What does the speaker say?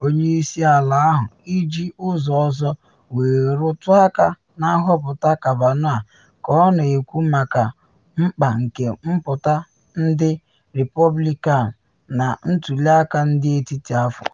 Onye isi ala ahụ iji ụzọ ọzọ wee rụtụ aka na nhọpụta Kavanaugh ka ọ na ekwu maka mkpa nke mpụta ndị Repọblikan na ntuli aka ndị etiti afọ.